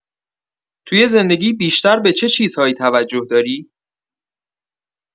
توی زندگی بیشتر به چه چیزهایی توجه داری؟